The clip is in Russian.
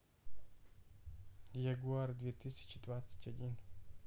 ягуар две тысячи двадцать один